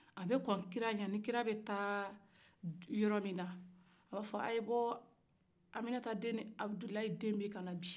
a bɛ kon kira ɲa nin kira bɛ taa yɔrɔ min na a b'a fɔ a ye bɔ aminata den ni abudulay den bɛ kana bi